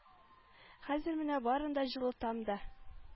Хәзер менә барын да җылытам да